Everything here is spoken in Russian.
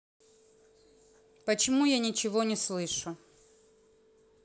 почему я ничего не слышу